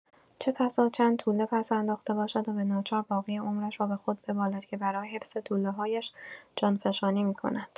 چه‌بسا چند توله پس‌انداخته باشد و به‌ناچار باقی عمرش را به خود ببالد که برای حفظ توله‌هایش جان‌فشانی می‌کند.